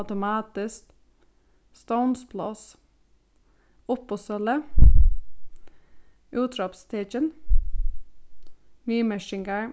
automatiskt stovnspláss uppboðssølu útrópstekin viðmerkingar